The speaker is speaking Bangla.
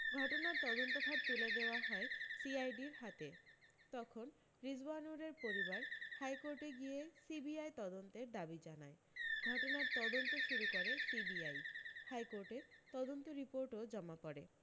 ঘটনার তদন্তভার তুলে দেওয়া হয় সিআইডির হাতে তখন রিজওয়ানুরের পরিবার হাইকোর্টে গিয়ে সিবিআই তদন্তের দাবি জানায় ঘটনার তদন্ত শুরু করে সিবিআই হাইকোর্টে তদন্ত রিপোর্টও জমা পড়ে